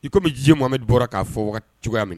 I komi bɛ diɲɛ mamɛ bɔra k'a fɔ cogoya min